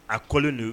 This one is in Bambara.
A kɔlen don